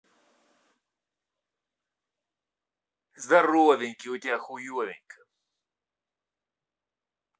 здоровенький у тебя хуевенько